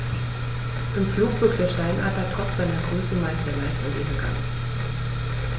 Im Flug wirkt der Steinadler trotz seiner Größe meist sehr leicht und elegant.